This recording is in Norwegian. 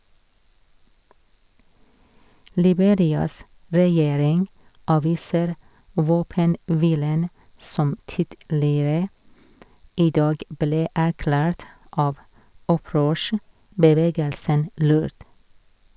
Liberias regjering avviser våpenhvilen som tidligere i dag ble erklært av opprørsbevegelsen LURD.